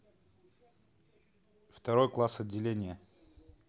второй класс отделение